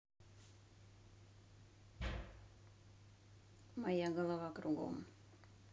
моя голова кругом